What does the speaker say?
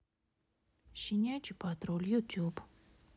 щенячий патруль ютуб